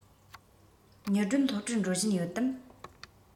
ཉི སྒྲོན སློབ གྲྭར འགྲོ བཞིན ཡོད དམ